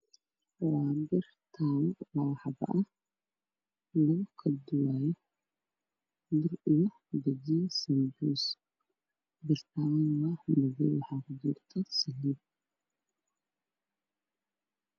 Waa bir taalo ah oo laba xabo ah oo lagu kala duwaayo bur io bajiyo io sanbuus birta gudaheeda waxaa ku jirta saliid